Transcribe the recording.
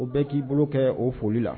O bɛɛ k'i bolo kɛ o foli la